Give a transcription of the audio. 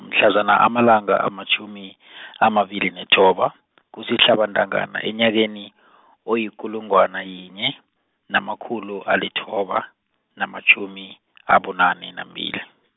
mhlazana amalanga amatjhumi , amabili nethoba, kuSihlabantangana enyakeni , oyikulungwana yinye, namakhulu alithoba, namatjhumi abunane nambili.